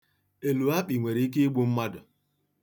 Elu akpị nwere ike egbu mmadụ.